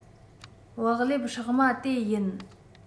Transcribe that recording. བག ལེབ བསྲེགས མ དེ ཡིན